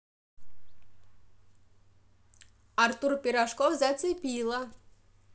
артур пирожков зацепила